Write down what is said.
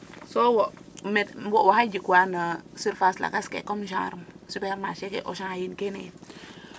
Soo wo' waxey jekwaa no surface lakas ke comme genre supermarché ke Auchan yin kene yiin ?